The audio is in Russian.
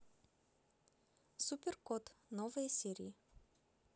супер кот новые серии